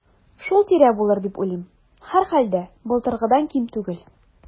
Шул тирә булыр дип уйлыйм, һәрхәлдә, былтыргыдан ким түгел.